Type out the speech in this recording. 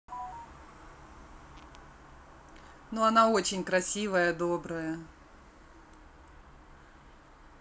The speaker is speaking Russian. ну она очень красивая добрая